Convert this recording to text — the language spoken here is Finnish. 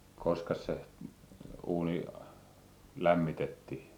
koskas se uuni lämmitettiin